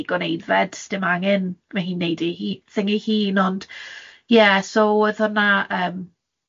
digon aeddfed, does dim angen ma' hi'n wneud ei hi- thing ei hun, ond ie so oedd hwnna'n,